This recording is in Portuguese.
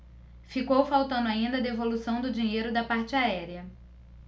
ficou faltando ainda a devolução do dinheiro da parte aérea